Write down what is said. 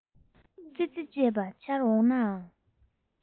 ཙི ཙི བཅས པ འཆར འོང ན ཡང